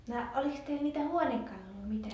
no olikos teillä mitä huonekaluja mitään